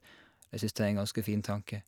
Jeg syns det er en ganske fin tanke.